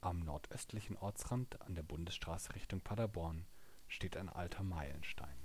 Am nördlichen Ortsrand an der Bundesstraße Richtung Paderborn steht ein alter Meilenstein